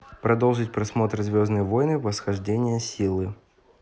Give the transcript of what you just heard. продолжить просмотр звездные войны восхождение силы